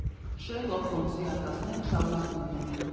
Շերլոք Հոլմսի արկածները շարունակվում են։